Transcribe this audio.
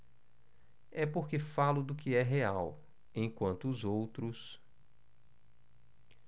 é porque falo do que é real enquanto os outros